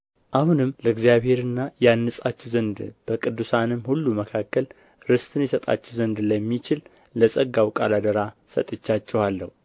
አሁንም ለእግዚአብሔርና ያንጻችሁ ዘንድ በቅዱሳንም ሁሉ መካከል ርስትን ይሰጣችሁ ዘንድ ለሚችል ለጸጋው ቃል አደራ ሰጥቻችኋለሁ